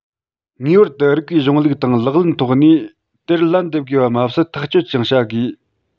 ངེས པར དུ རིགས པའི གཞུང ལུགས དང ལག ལེན ཐོག ནས དེར ལན འདེབས དགོས པ མ ཟད དེ ཐག གཅོད ཀྱང བྱ དགོས